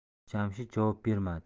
jamshid javob bermadi